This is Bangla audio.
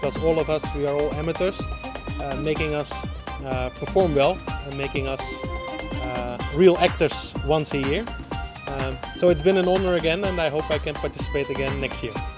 all of us we are all amateur making of perform well making us real actors once again it's been and honour again hope I can participate in next year